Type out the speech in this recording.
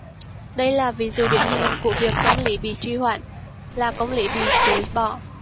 đây là ví dụ điển hình của việc công lý bị trì hoãn là công lý bị chối bỏ